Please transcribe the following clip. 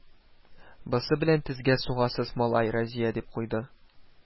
Бусы белән тезгә сугасыз, малай, Разия, дип куйды